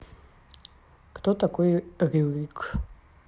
кто такой рюрик